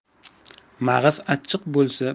mag'iz achchiq bo'lsa